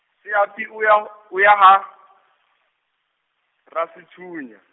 Seapi o ya, o ya ha, Rasethunya.